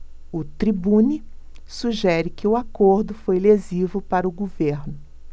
o tribune sugere que o acordo foi lesivo para o governo